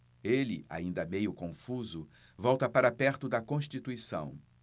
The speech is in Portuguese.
ele ainda meio confuso volta para perto de constituição